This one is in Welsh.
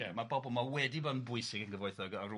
so ma' bobol ma' wedi bod yn bwysig yn gyfoethog ond rŵan...